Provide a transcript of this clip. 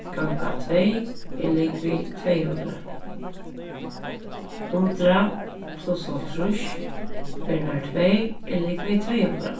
ganga tvey er ligvið tvey hundrað hundrað pluss hálvtrýss ferðirnar tvey er ligvið tvey hundrað